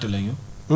ñaata la ñu